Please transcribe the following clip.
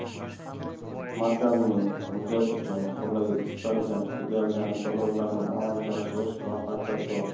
markazning mijoz uchun qulay istalgan filialidan to'lovlarni amalga oshirish va hokazo